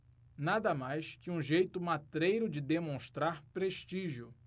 nada mais que um jeito matreiro de demonstrar prestígio